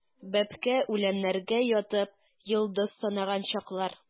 Бәбкә үләннәргә ятып, йолдыз санаган чаклар.